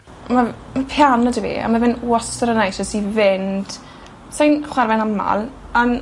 Ma' ma' piano 'da fi a ma' fe'n wastad yn neis jyst i fynd... Sai'n chware'n amal on'